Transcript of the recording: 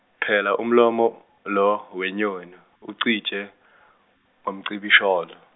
phela umlomo lo wenyoni ucije umcibisholo.